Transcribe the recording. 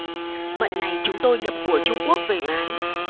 mận này chúng tôi nhập của trung quốc về bán